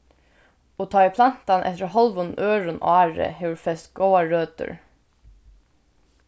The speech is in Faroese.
og tá ið plantan eftir hálvum øðrum ári hevur fest góðar røtur